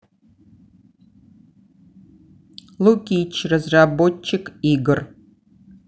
лукич разработчик игр